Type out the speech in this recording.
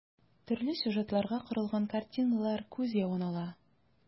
Төрле сюжетларга корылган картиналар күз явын ала.